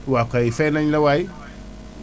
waaw kay fay nañu la waay